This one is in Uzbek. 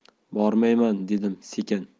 bormayman dedim sekin